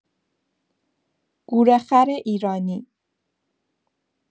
گورخر ایرانی